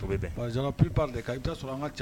Ppipri ka da sɔrɔ an ka